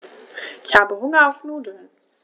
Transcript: Ich habe Hunger auf Nudeln.